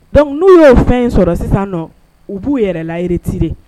Donc n'u y'o fɛn in sɔrɔ sisannɔ u b'u yɛrɛ la retirer